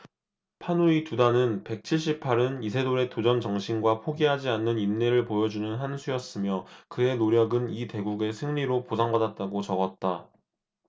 판후이 두 단은 백 칠십 팔 은 이세돌의 도전정신과 포기하지 않는 인내를 보여주는 한 수였으며 그의 노력은 이 대국의 승리로 보상받았다고 적었다